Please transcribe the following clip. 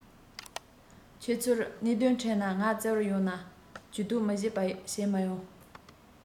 ཁྱེད ཚོར གནད དོན འཕྲད ནས ང བཙལ བར ཡོང ན ཇུས གཏོགས མི བྱེད པ བྱས མ ཡོང